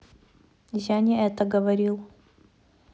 я не это говорил